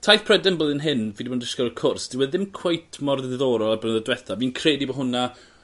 ...taith Pryden blwyddyn hyn fi 'di bod yn disgwl y cwrs dyw e ddim cweit mor ddiddorol a blynedd dwetha fi'n credu bo' hwnna